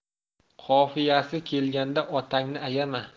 qofiyasi kelganda otangni ayama